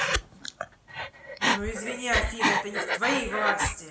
ну извини афина это не в твоей власти